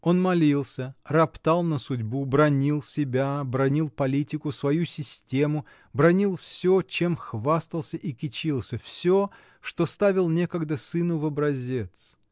Он молился, роптал на судьбу, бранил себя, бранил политику, свою систему, бранил все, чем хвастался и кичился, все, что ставил некогда сыну в образец